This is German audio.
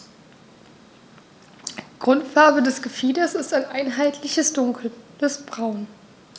Grundfarbe des Gefieders ist ein einheitliches dunkles Braun.